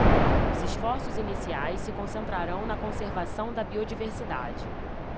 os esforços iniciais se concentrarão na conservação da biodiversidade